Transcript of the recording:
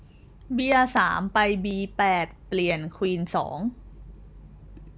เบี้ยสามไปบีแปดเปลี่ยนควีนสอง